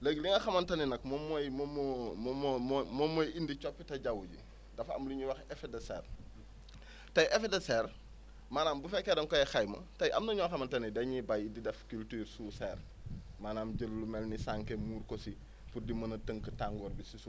léegi li nga xamante ni nag moom mooy moom moo moom moo moo moom mooy indi coppte jaww ji am lu ñuy wax effet de serre tey effet de serre maanaam bu fekkee da nga koy xayma tey am na ñoo xamante ne dañuy béy di def culture sous serre maanaam jël lu mel ne sànke muur ko ci pour di mën a tënk tàngoor bi si suuf